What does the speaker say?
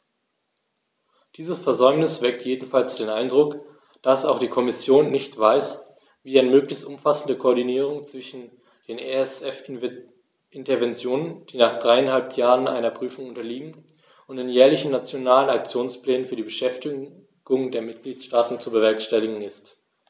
Dieses Versäumnis weckt jedenfalls den Eindruck, dass auch die Kommission nicht weiß, wie eine möglichst umfassende Koordinierung zwischen den ESF-Interventionen, die nach dreieinhalb Jahren einer Prüfung unterliegen, und den jährlichen Nationalen Aktionsplänen für die Beschäftigung der Mitgliedstaaten zu bewerkstelligen ist.